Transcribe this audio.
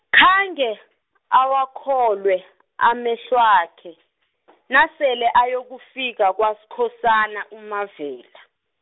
khange, awakholwe amehlwakhe , nasele ayokufika kwaSkhosana uMavela.